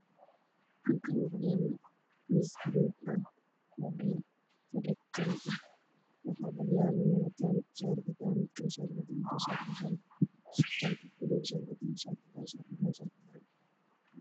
Hal kaan waxaa yaalo miis buluug ah